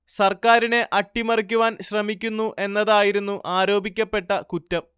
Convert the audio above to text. സർക്കാരിനെ അട്ടിമറിക്കുവാൻ ശ്രമിക്കുന്നു എന്നതായിരുന്നു ആരോപിക്കപ്പെട്ട കുറ്റം